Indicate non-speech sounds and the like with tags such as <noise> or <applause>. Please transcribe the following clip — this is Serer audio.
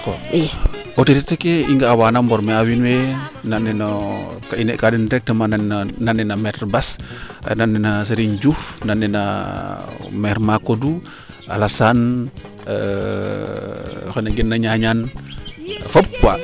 d' accord autorité i nga'a waa na mborme ayo wiin we nan nena ka i ne kaa den nan nean maitre Basse nan nena Serigne Diouf nan nena maire Macodou Alassane <hesitation> o xene gena Nianane fop